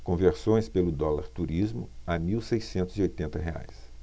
conversões pelo dólar turismo a mil seiscentos e oitenta reais